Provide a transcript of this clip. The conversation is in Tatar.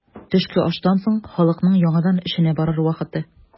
Төшке аштан соң халыкның яңадан эшенә барыр вакыты.